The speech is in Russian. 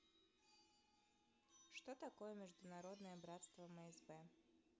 что такое международное братство мсб